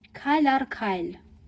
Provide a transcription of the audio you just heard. Քայլ առ քայլ։